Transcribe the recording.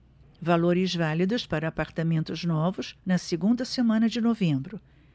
valores válidos para apartamentos novos na segunda semana de novembro